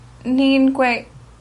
ni'n gwe-